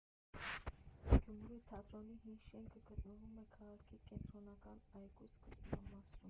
Գյումրու թատրոնի հին շենքը գտնվում է քաղաքի կենտրոնական այգու սկզբնամասում։